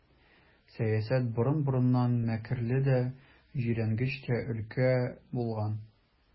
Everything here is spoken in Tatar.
Сәясәт борын-борыннан мәкерле дә, җирәнгеч тә өлкә булган.